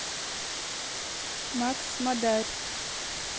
макс мадарь